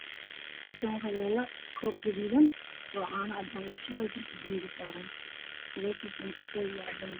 Halkaan waxaa yaalo koob gaduudan oo caano cadaan ah lugu shubaayo oo kursi buluug ah saaran, gadaashiisana waa kafay iyo cadaan ah.